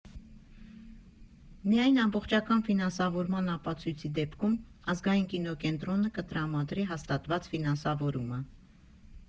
Միայն ամբողջական ֆինանսավորման ապացույցի դեպքում Ազգային կինոկենտրոնը կտրամադրի հաստատված ֆինանսավորումը»։